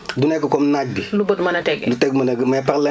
du nekk dans le visible du nekk comme naaj bi